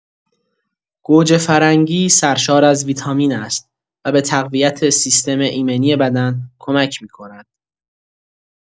گوجه‌فرنگی سرشار از ویتامین است و به تقویت سیستم ایمنی بدن کمک می‌کند.